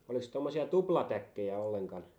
olikos tuommoisia tuplatäkkejä ollenkaan